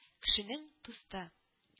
Кешенең дусы